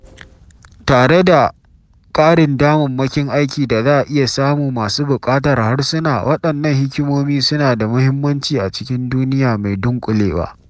Tare da ƙarin damammakin aiki da za a iya samu masu buƙatar harsuna, wadannan hikimomi suna da muhimmanci a cikin duniya mai dunƙulewa.